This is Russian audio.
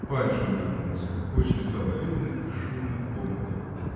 Паншин вернулся: очень стало людно и шумно в комнатах.